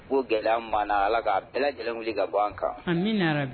Ko g ma ala ka bɛɛ lajɛlen wili ka bɔ an kan